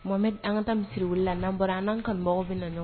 Mome an ka taa misisiriw wulila la n'an bɔra an' ka baw bɛ na